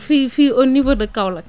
fii fii au niveau de Kaolack